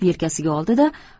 yelkasiga oldida